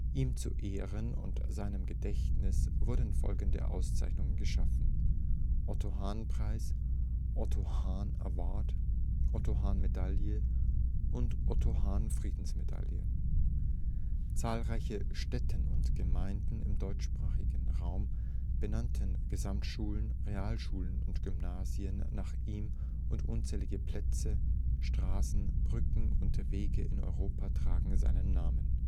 Ihm zu Ehren und zu seinem Gedächtnis wurden folgende Auszeichnungen geschaffen: Otto-Hahn-Preis, Otto Hahn Award, Otto-Hahn-Medaille und Otto-Hahn-Friedensmedaille. Zahlreiche Städte und Gemeinden im deutschsprachigen Raum benannten Gesamtschulen, Realschulen und Gymnasien nach ihm, und unzählige Straßen, Plätze, Brücken und Wege in Europa tragen seinen Namen